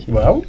waaw